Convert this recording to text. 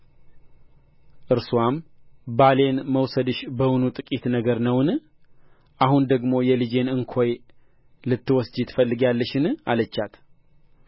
እርስዋም ባሌን መውሰድሽ በውኑ ጥቂት ነገር ነውን አሁን ደግሞ የልጄን እንኮይ ልትወስጂ ትፈልጊያለሽን አለቻት